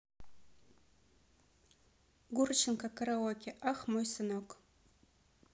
гурченко караоке ах мой сынок